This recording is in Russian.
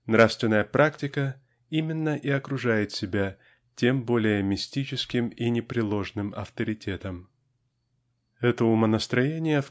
нравственная практика именно и окружает себя тем более мистическим и непреложным авторитетом. Это умонастроение